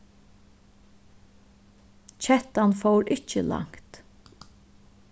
kettan fór ikki langt